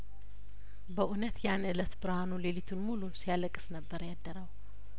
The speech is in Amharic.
በእውነትያን እለት ብርሀኑ ሌሊቱን ሙሉ ሲያለቅስ ነበር ያደረው